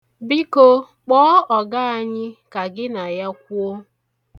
Biko, kpọọ ọga anyị ka gị na ya kwuo.